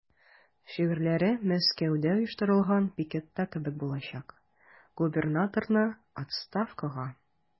Шигарьләре Мәскәүдә оештырылган пикетта кебек булачак: "Губернаторны– отставкага!"